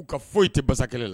U ka foyi te basakɛlɛ la